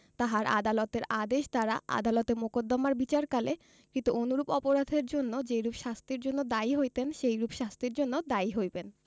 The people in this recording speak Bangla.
তাহারা আদালতের আদেশ দ্বারা আদালতে মোকদ্দমার বিচারকালে কৃত অনুরূপ অপরাধের জন্য যেইরূপ শাস্তির জন্য দায়ী হইতেন সেইরূপ শাস্তির জন্য দায়ী হইবেন